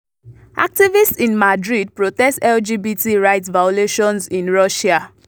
Activists in Madrid protest LGBT rights violations in Russia